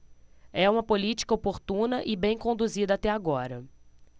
é uma política oportuna e bem conduzida até agora